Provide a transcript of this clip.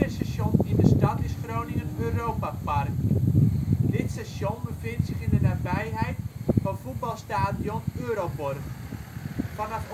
station in de stad is Groningen Europapark. Dit station bevindt zich in de nabijheid van voetbalstadion Euroborg. Vanaf